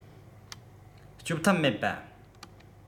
སྐྱོབ ཐབས མེད པ